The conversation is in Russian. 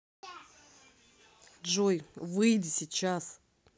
джой выйди сейчас